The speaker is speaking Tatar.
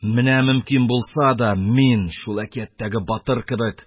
Менә мөмкин булса да, мин шул әкияттәге батыр кебек,